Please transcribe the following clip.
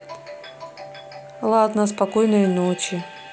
ладно спокойной ночи